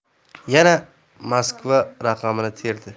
yana moskva raqamini terdi